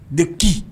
De qui